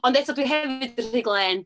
Ond eto dwi hefyd yn rhy glên.